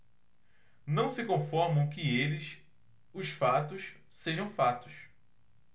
não se conformam que eles os fatos sejam fatos